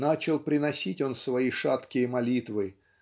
начал приносить он свои шаткие молитвы